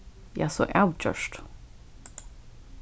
ja so avgjørt